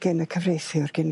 gin y cyfreithiwr gin...